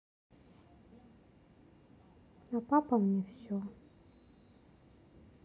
а папа мне все